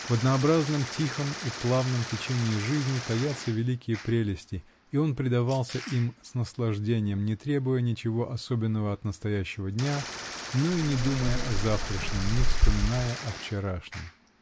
В однообразно тихом и плавном течении жизни таятся великие прелести -- и он предавался им с наслаждением, не требуя ничего особенного от настоящего дня, но и не думая о завтрашнем, не вспоминая о вчерашнем.